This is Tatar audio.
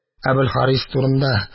Әбелхарис турында